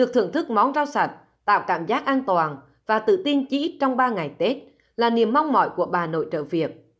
được thưởng thức món rau sạch tạo cảm giác an toàn và tự tin chí ít trong ba ngày tết là niềm mong mỏi của bà nội trợ việt